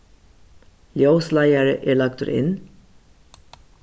ljósleiðari er lagdur inn